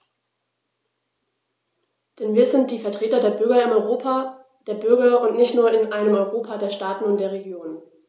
Denn wir sind die Vertreter der Bürger im Europa der Bürger und nicht nur in einem Europa der Staaten und der Regionen.